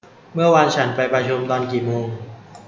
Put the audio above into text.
เมื่อวานฉันไปประชุมตอนกี่โมง